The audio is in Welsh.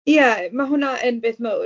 Ie ma' hwnna yn beth mawr.